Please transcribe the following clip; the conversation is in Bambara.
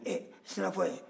ɛɛ sinafɔ ye